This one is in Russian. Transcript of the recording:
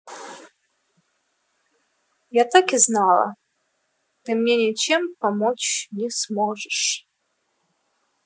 я так и знала ты мне ничем помочь не сможешь